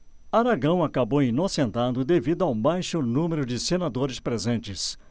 aragão acabou inocentado devido ao baixo número de senadores presentes